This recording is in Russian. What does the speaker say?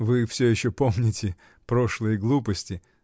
— Вы всё еще помните прошлые глупости!